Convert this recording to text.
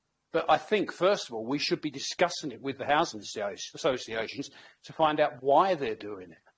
But I think, first of all, we should be discussing it with the housing assiocia- associations, to find out why they're doing it.